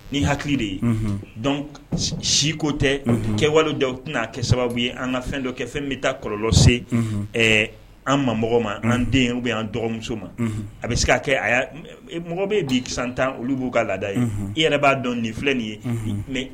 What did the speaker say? Ni hakili de ye dɔn siko tɛ kɛwale da tɛna'a kɛ sababu ye an ka fɛn dɔ kɛ fɛn bɛ taa kɔlɔlɔ se an ma mɔgɔ ma an den bɛ anan dɔgɔmuso ma a bɛ se k' kɛ mɔgɔ bɛ di tan olu b'u ka laada ye i yɛrɛ b'a dɔn nin filɛ nin ye mɛ